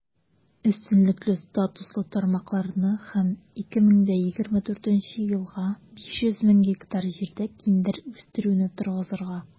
Өстенлекле статуслы тармакларны һәм 2024 елга 500 мең гектар җирдә киндер үстерүне торгызырга.